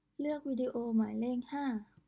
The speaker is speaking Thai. เลือกวิดีโอหมายเลขห้า